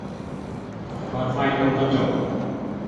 เปิดไฟตรงกระจก